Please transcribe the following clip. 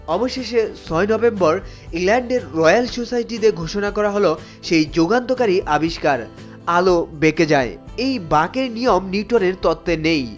অবশেষে ৬ নভেম্বর ইংল্যান্ডের রয়েল সোসাইটিতে ঘোষণা করা হলো সেই যুগান্তকারী আবিষ্কার আলো বেকে যায় এই বাকের নিয়ম নিউটনের তত্ত্বে নেই